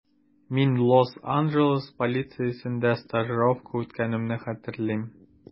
Мин Лос-Анджелес полициясендә стажировка үткәнемне хәтерлим.